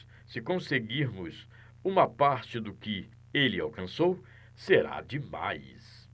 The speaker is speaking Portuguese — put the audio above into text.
se conseguirmos uma parte do que ele alcançou será demais